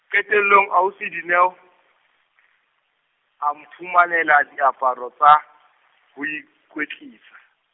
qetellong ausi Dineo, a mphumanela diaparo tsa, ho ikwetlisa.